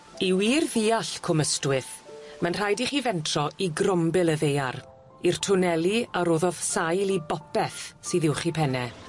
I wir ddeall Cwm Ystwyth ma'n rhaid i chi fentro i grombil y ddaear, i'r twneli a roddodd sail i bopeth sydd uwch 'u penne.